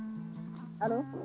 alo